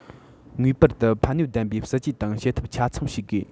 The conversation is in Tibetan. ངེས པར དུ ཕན ནུས ལྡན པའི སྲིད ཇུས དང བྱེད ཐབས ཆ ཚང ཞིག དགོས